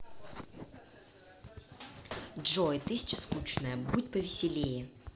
джой тысяча скучная будь повеселее